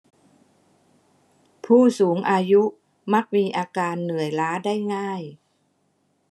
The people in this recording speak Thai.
ผู้สูงอายุมักมีอาการเหนื่อยล้าได้ง่าย